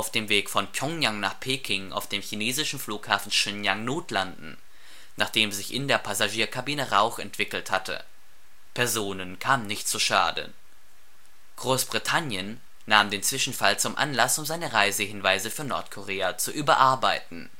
dem Weg von Pjöngjang nach Peking auf dem chinesischen Flughafen Shenyang notlanden, nachdem sich in der Passagierkabine Rauch entwickelt hatte. Personen kamen nicht zu Schaden. Großbritannien nahm den Zwischenfall zum Anlass um seine Reisehinweise für Nordkorea zu überarbeiten